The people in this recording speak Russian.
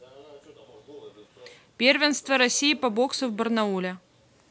первенство россии по боксу в барнауле